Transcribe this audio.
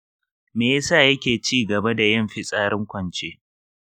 me yasa yake ci gaba da yin fitsarin kwance